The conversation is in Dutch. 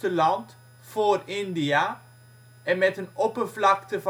land (voor India) en met een oppervlakte